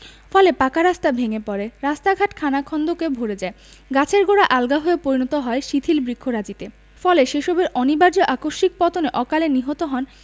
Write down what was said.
ফলে পাকা রাস্তা ভেঙ্গে পড়ে রাস্তাঘাট খানাখন্দকে ভরে যায় গাছের গোড়া আলগা হয়ে পরিণত হয় শিথিল বৃক্ষরাজিতে ফলে সে সবের অনিবার্য আকস্মিক পতনে অকালে নিহত হন